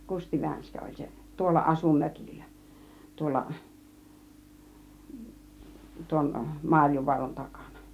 Kusti Vänskä oli se tuolla asui mökillä tuolla tuon Marjovaaran takana